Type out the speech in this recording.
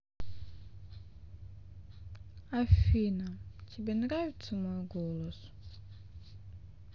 афина тебе нравится мой голос